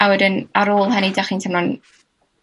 A wedyn, ar ôl hynny 'dach chi'n teimlo'n